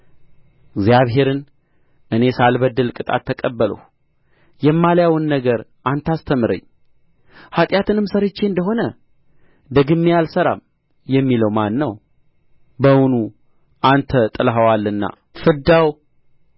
እግዚአብሔርን እኔ ሳልበድል ቅጣት ተቀበልሁ የማላየውን ነገር አንተ አስተምረኝ ኃጢአትንም ሠርቼ እንደ ሆነ ደግሜ አልሠራም የሚለው ማን ነው በውኑ አንተ ጥለኸዋልና ፍዳው